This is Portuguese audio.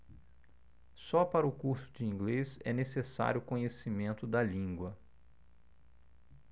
só para o curso de inglês é necessário conhecimento da língua